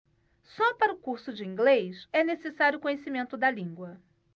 só para o curso de inglês é necessário conhecimento da língua